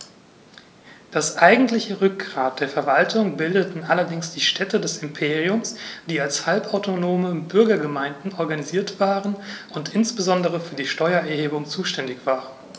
Das eigentliche Rückgrat der Verwaltung bildeten allerdings die Städte des Imperiums, die als halbautonome Bürgergemeinden organisiert waren und insbesondere für die Steuererhebung zuständig waren.